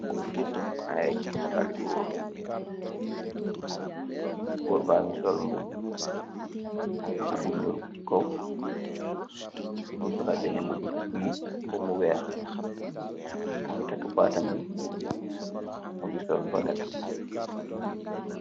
Ay netal li goor goor bagi sool mbubu mbubu bu nuul si kaw mogi solat benen mbubu si birr mbubu bu weex mogi taka batam bi mogi sool lunet.